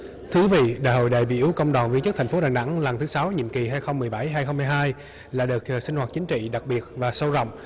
thưa quý vị đại hội đại biểu công đoàn viên chức thành phố đà nẵng lần thứ sáu nhiệm kỳ hai không mười bảy hai không hai hai là đợt sinh hoạt chính trị đặc biệt và sâu rộng